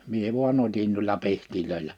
minä vain otin noilla pihdeillä